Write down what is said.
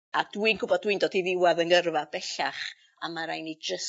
A dwi'n gwbod dwi'n dod i niwadd yng ngyrfa bellach a ma' rai' ni jyst